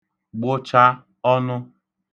gbụcha ọnụ